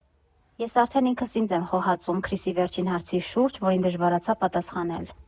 Էս արդեն ինքս ինձ եմ խոհածում՝ Քրիսի վերջին հարցի շուրջ, որին դժվարացա պատասխանել։